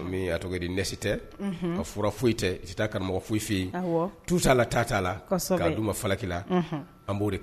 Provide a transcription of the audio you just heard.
O min ye a tɔgɔ ye di nasi tɛ, wa fura fosi tɛ, i t'i taa karamɔgɔ fosi fɛ yen tu t'a la ta t'a la, kosɛbɛ, ka d'u ma falaki la, an b'o de